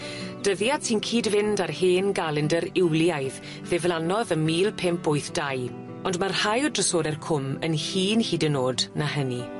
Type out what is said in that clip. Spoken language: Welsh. dyddiad sy'n cyd-fynd â'r hen galendyr Iwliaidd ddiflannodd ym mil pump wyth dau, ond ma' rhai o drysore'r cwm yn hŷn hyd yn o'd na hynny.